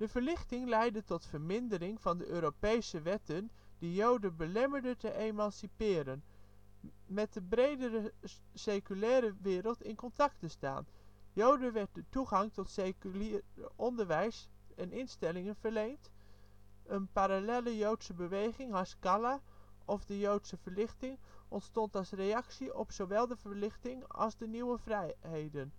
Verlichting leidde tot vermindering van de Europese wetten die joden belemmerden te emanciperen, met de bredere seculaire wereld in contact te staan. Joden werden toegang tot seculaire onderwijs en instellingen verleend. Een parallelle joodse beweging, haskala of de " joodse Verlichting " ontstond als reactie op zowel de Verlichting als de nieuwe vrijheden. De